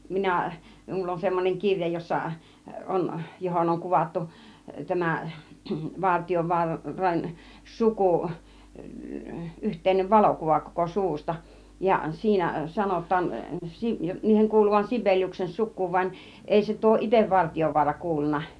minä minulla on semmoinen kirja jossa on johon on kuvattu tämä - Vartiovaaran suku yhteinen valokuva koko suvusta ja siinä sanotaan - niiden kuuluvan Sibeliuksen sukuun vaan ei se tuo itse Vartiovaara kuulunut